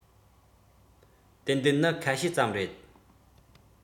ཏན ཏན ནི ཁ ཤས ཙམ རེད